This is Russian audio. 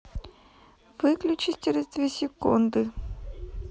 выключись через две секунды